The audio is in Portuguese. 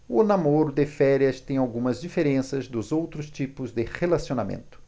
o namoro de férias tem algumas diferenças dos outros tipos de relacionamento